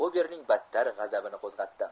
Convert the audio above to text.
obeming battar g'azabini qo'zg'adi